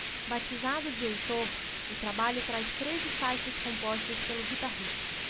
batizado de heitor o trabalho traz treze faixas compostas pelo guitarrista